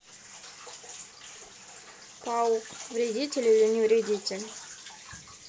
паук вредитель или не вредитель